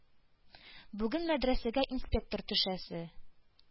-бүген мәдрәсәгә инспектор төшәсе.